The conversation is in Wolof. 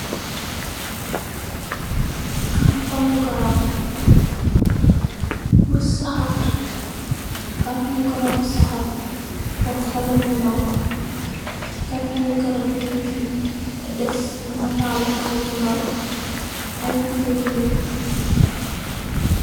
Carton ngi garapp, purr sahat, carton ngi garappi sahat purr hale bu ndaw. Si carton ngi garap bi nyungii si def natali hale bu ndaw, ai bindibindi.